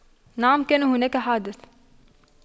نعم كان هناك حادث